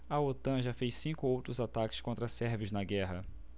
a otan já fez cinco outros ataques contra sérvios na guerra